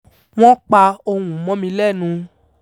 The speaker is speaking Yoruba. Wọ́n pa ohùn mọ́ mi lẹ́nu!